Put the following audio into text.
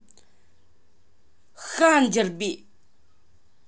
хандерби